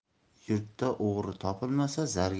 yurtda o'g'ri topilmasa